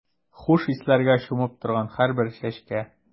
Хуш исләргә чумып торган һәрбер чәчкә.